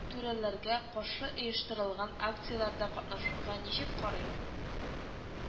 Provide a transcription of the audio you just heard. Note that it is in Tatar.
Түрәләргә каршы оештырылган акцияләрдә катнашуга ничек карый